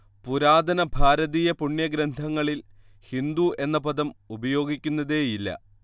പുരാതന ഭാരതീയ പുണ്യഗ്രന്ഥങ്ങളിൽ ഹിന്ദു എന്ന പദം ഉപയോഗിക്കുന്നതേയില്ല